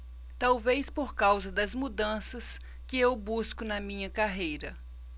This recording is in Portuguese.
talvez por causa das mudanças que eu busco na minha carreira